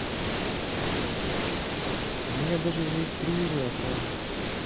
у меня даже заискрило от радости